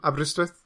Aberystwyth?